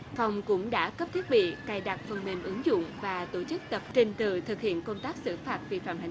phòng cũng đã cấp thiết bị cài đặt phần mềm ứng dụng và tổ chức tập trình tự thực hiện công tác xử phạt vi phạm hành